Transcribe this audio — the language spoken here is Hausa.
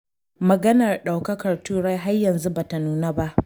Maganar ɗaukakar Turai har yanzu ba ta nuna ba.